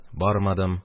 Бармадым